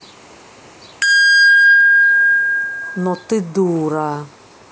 но ты дура